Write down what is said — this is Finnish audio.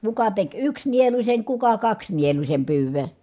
kuka teki yksi nieluisen kuka kaksi nieluisen pyydön